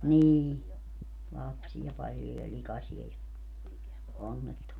niin lapsia paljon ja likaisia ja onnettomia